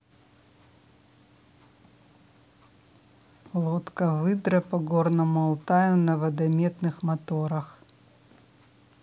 лодка выдра по горному алтаю на водометных моторах